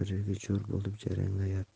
biriga jo'r bo'lib jaranglayapti